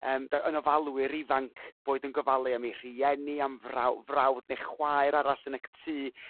yrm d- yn ofalwyr ifanc boed yn gofalu am 'u rhieni am fraw- frawd ne' chwaer arall yn y c- ty